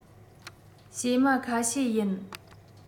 བྱེ མ ཁ ཤས ཡིན